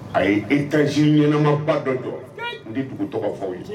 A ye étage ɲɛnamaba dɔ jɔ n tɛ dugu tɔgɔ fɔ aw ye.